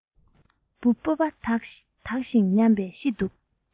འབུ སྦོམ པ དག ཞིམ ཉམས ཀྱིས ཤི འདུག